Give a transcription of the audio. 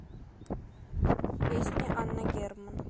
песни анна герман